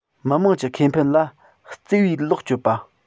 མི དམངས ཀྱི ཁེ ཕན ལ གཙེ བའི ལོག སྤྱོད པ